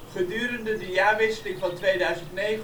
Gedurende de jaarwisseling van 2009 op 2010